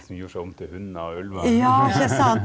som gjorde seg om til hunder og ulver .